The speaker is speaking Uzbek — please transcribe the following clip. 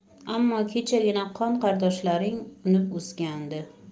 ammo kechagina qon qardoshlaring unib o'sgandi